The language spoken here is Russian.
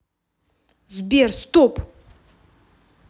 сбер стоп